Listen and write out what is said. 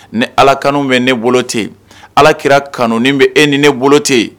Ni ala kan bɛ ne bolo tɛ ala kɛra kanu ni bɛ e ni ne bolo tɛ yen